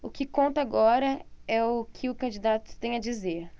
o que conta agora é o que o candidato tem a dizer